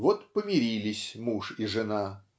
Вот помирились муж и жена